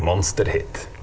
monsterhit.